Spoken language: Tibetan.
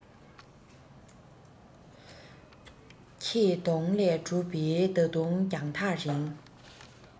ཁྱེད གདོང ལས གྲུབ པའི ད དུང རྒྱང ཐག རིང